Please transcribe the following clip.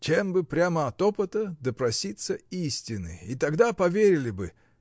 Чем бы прямо от опыта допроситься истины. и тогда поверили бы.